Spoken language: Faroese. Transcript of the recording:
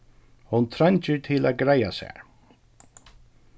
hon treingir til at greiða sær